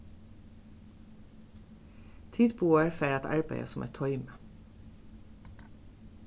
tit báðar fara at arbeiða sum eitt toymi